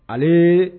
Ayi